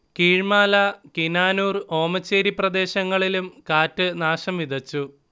കീഴ്മാല, കിനാനൂർ, ഓമച്ചേരി പ്രദേശങ്ങളിലും കാറ്റ് നാശംവിതച്ചു